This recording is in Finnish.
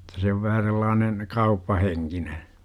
jotta se on vähän sellainen kauppahenkinen